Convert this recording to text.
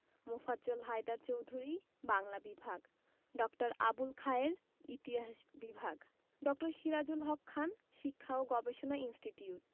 মোফাজ্জল হায়দার চৌধুরী বাংলা বিভাগ ড. আবুল খায়ের ইতিহাস বিভাগ ড. সিরাজুল হক খান শিক্ষা ও গবেষণা ইনস্টিটিউট